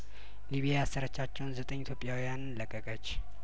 ሊቢያ ያሰረቻቸውን ዘጠኝ ኢትዮጵያውያንን ለቀቀች